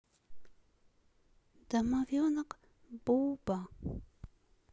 домовенок буба